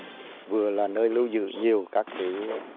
vừa là nơi lưu giữ nhiều các cái